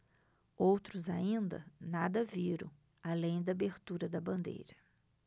outros ainda nada viram além da abertura da bandeira